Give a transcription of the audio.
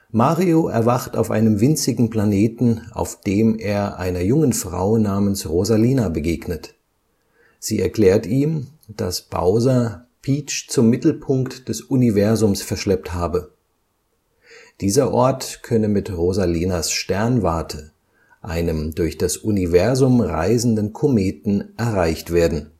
Mario erwacht auf einem winzigen Planeten, auf dem er einer jungen Frau namens Rosalina begegnet. Sie erklärt ihm, dass Bowser Peach zum Mittelpunkt des Universums verschleppt habe. Dieser Ort könne mit Rosalinas Sternwarte, einem durch das Universum reisenden Kometen, erreicht werden